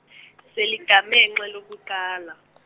seligamengxe elokuqala.